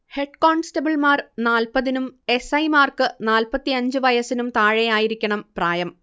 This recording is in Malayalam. ഹെഡ്കോൺസ്റ്റബിൾമാർ നാല്പതിനും എസ്. ഐ. മാർക്ക് നാല്പത്തിയഞ്ചിനും വയസ്സിനും താഴെയായിരിക്കണം പ്രായം